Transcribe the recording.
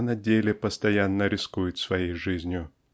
а на деле постоянно рискует своею жизнью.